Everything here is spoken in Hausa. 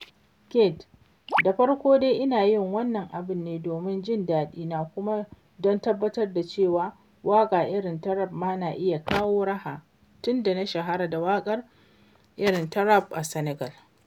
Keyti: Da farko dai ina yin wannan abin ne domin jin daɗina kuma don tabbatar da cewa waƙa irin ta rap ma na iya kawo raha, tunda na shahara da waƙar irin ta rap a Senegal.